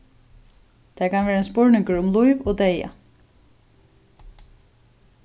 tað kann vera ein spurningur um lív og deyða